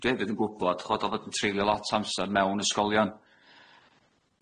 Dwi hefyd yn gwbod ch'bod o fod yn treulio lot o amsar mewn ysgolion.